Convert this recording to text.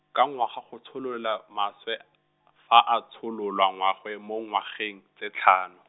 ka ngwaga go tsholola maswe, fa a tshololwa ngwageng mo ngwageng, tse tlhano.